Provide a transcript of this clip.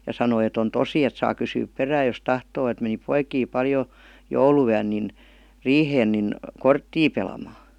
ja sanoi että on tosi että saa kysyä perään jos tahtoo että meni poikia paljon jouluyönä niin riiheen niin korttia pelaamaan